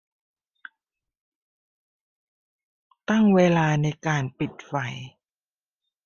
ตั้งเวลาในการปิดไฟ